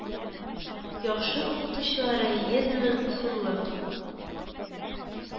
Яхшы укытучылары, йөз мең сумлык